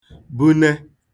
bune